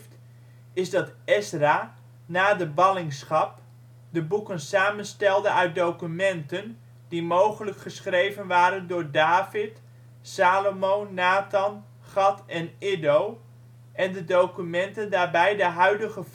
Ezra, na de ballingschap, de boeken samenstelde uit documenten die mogelijk geschreven waren door David, Salomo, Nathan, Gad, en Iddo, en de documenten daarbij de huidige